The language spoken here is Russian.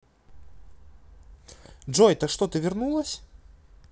джой так что ты вернулась